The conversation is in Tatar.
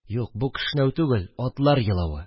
Юк, бу кешнәү түгел, атлар елавы